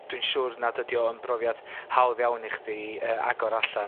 dwi'n siŵr nad ydi o yn brofiad hawdd iawn i chdi yy agor allan